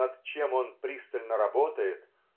над чем он пристально работает